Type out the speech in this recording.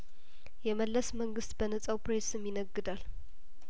የመለስ መንግስት በነጻው ፕሬስ ስም ይነግዳል